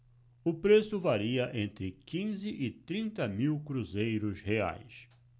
o preço varia entre quinze e trinta mil cruzeiros reais